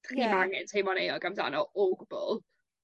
chdi'm angen teimlo'n euog amdano o gwbwl.